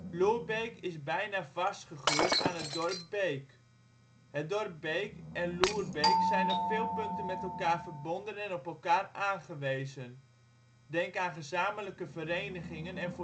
Loerbeek is bijna vastgegroeid aan het dorp Beek. Het dorp Beek en Loerbeek zijn op veel punten met elkaar verbonden en op elkaar aangewezen, denk aan gezamenlijke verenigingen en